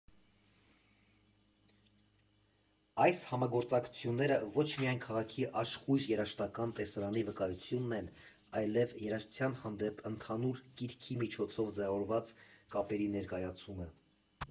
Այս համագործակցությունները ոչ միայն քաղաքի աշխույժ երաժշտական տեսարանի վկայությունն են, այլև երաժշտության հանդեպ ընդհանուր կիրքի միջոցով ձևավորված կապերի ներկայացումը։